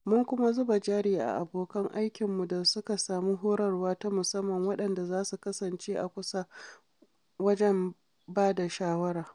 Mun kuma zuba jari a abokan aikinmu da suka sami horarwa ta musamman waɗanda za su kasance a kusa wajen ba da shawara.